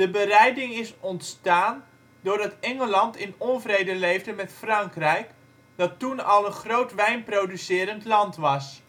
bereiding is ontstaan doordat Engeland in onvrede leefde met Frankrijk, dat toen al een groot wijnproducerend land was